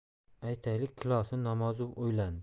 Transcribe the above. aytaylik kilosini namozov o'ylandi